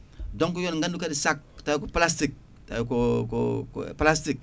donc yon gandu kadi sac tawi ko plastique tawi ko ko plastique